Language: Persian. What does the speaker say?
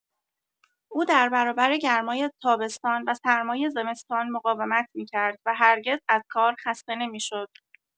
او در برابر گرمای تابستان و سرمای زمستان مقاومت می‌کرد و هرگز از کار خسته نمی‌شد.